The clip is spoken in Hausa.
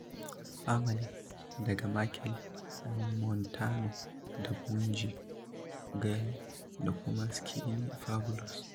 3. "Famalay" daga Machel Montano da Bunji Grlin da kuma Skinny Fabulous